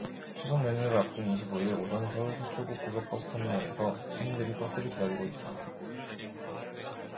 추석연휴를 앞둔 이십 오 일 오전 서울 서초구 고속버스터미널에서 시민들이 버스를 기다리고 있다